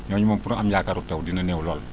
ñooñu moom pour ñu am yaakaaru taw dina néew lool